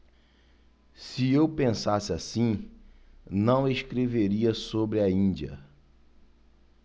se eu pensasse assim não escreveria sobre a índia